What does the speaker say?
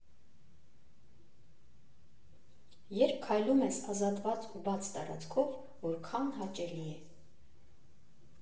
Երբ քայլում ես ազատված ու բաց տարածքով, որքա՜ն հաճելի է։